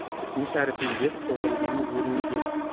ismi sharifingiz tug'ilgan yilingiz